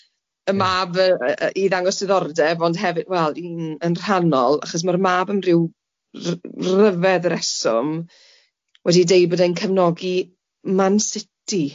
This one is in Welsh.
y mab yy yy i ddangos diddordeb ond hefyd wel un yn rhannol achos ma'r mab am ryw ry- ryfedd reswm wedi deud bod e'n cefnogi Man City.